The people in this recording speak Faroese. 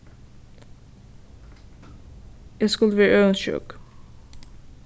eg skuldi verið øvundsjúk